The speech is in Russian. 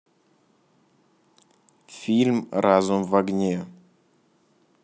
фильм разум в огне